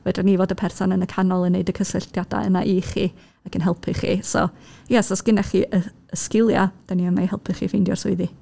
Fedrwn ni fod y person yn y canol yn wneud y cysylltiadau yna i chi, ac yn helpu chi. So ie os oes gennych chi y y sgiliau, dan ni yno i helpu chi ffeindio'r swyddi.